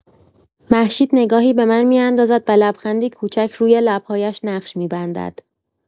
مهشید نگاهی به من می‌اندازد و لبخندی کوچک روی لب‌هایش نقش می‌بندد.